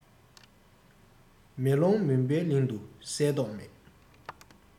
མེ ལོང མུན པའི གླིང དུ གསལ མདོག མེད